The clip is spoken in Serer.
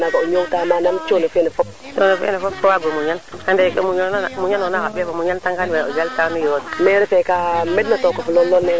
ka te sutna in it i sante an teen ngid man teen i anda meete xotit na in i anda kene kete ɗaxa na in i mosirano sik o saaxo leng ke kene ka i ngid man yakaran